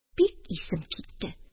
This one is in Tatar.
Бик исем китте